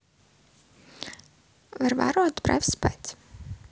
варвару отправь спать